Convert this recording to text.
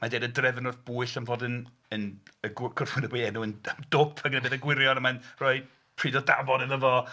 Mae hi'n dweud y drefn wrth Bwyll am fod yn... yn y gw- nhw'n dwp, ac yn gwneud pethau gwirion, ac mae'n rhoi pryd o dafod iddo fo.